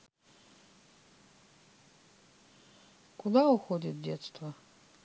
куда уходит детство